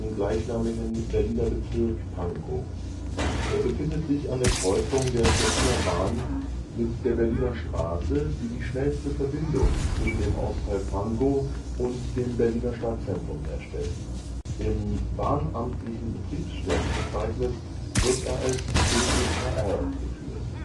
gleichnamigen Berliner Bezirk Pankow. Er befindet sich an der Kreuzung der Stettiner Bahn mit der Berliner Straße, die die schnellste Verbindung zwischen dem Ortsteil Pankow und dem Berliner Stadtzentrum herstellt. Im bahnamtlichen Betriebsstellenverzeichnis wird er als BPKR geführt